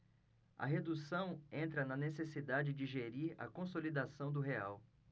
a redução entra na necessidade de gerir a consolidação do real